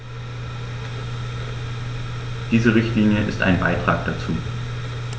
Diese Richtlinie ist ein Beitrag dazu.